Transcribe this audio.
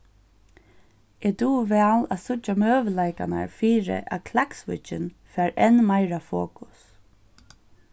eg dugi væl at síggja møguleikarnar fyri at klaksvíkin fær enn meira fokus